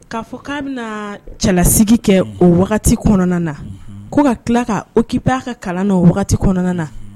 K'a fɔ k'a bɛna cɛlasigi kɛ o wagati kɔnɔna, ko ka tila ka occuper a ka kalan na o wagati kɔnɔna na.